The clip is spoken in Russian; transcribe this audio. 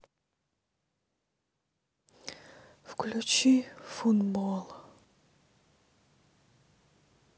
включи футбол